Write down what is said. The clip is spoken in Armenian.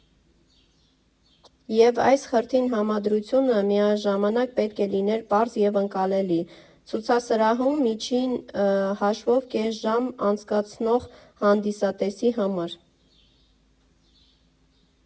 Եվ այս խրթին համադրությունը միաժամանակ պետք է լիներ պարզ և ընկալելի՝ ցուցասրահում միջին հաշվով կես ժամ անցկացնող հանդիսատեսի համար։